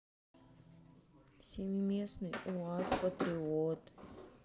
семиместный уаз патриот